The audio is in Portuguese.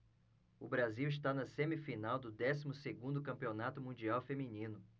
o brasil está na semifinal do décimo segundo campeonato mundial feminino